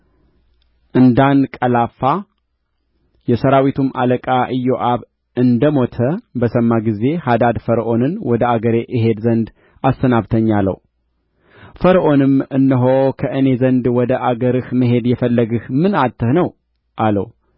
እንዳንቀላፋ የሠራዊቱም አለቃ ኢዮአብ እንደ ሞተ በሰማ ጊዜ ሃዳድ ፈርዖንን ወደ አገሬ እሄድ ዘንድ አሰናብተኝ አለው ፈርዖንም እነሆ ከእኔ ዘንድ ወደ አገርህ መሄድ የፈለግህ ምን አጥተህ ነው አለው